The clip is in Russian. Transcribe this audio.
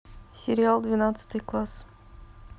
сериал двенадцатый класс